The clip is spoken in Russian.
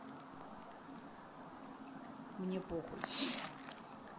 мне похуй